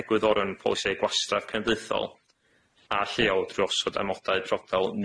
egwyddorion polisiau gwastraff ceneldeuthol a lleol drwy osod amodau priodol